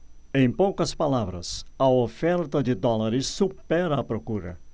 em poucas palavras a oferta de dólares supera a procura